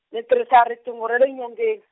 ni tirhisa riqingho ra le nyongeni.